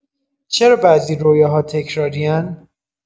چرا بعضی رویاها تکراری‌ان؟